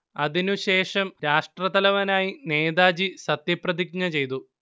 അതിനുശേഷം രാഷ്ട്രത്തലവനായി നേതാജി സത്യപ്രതിജ്ഞ ചെയ്തു